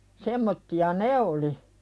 semmoisia ne oli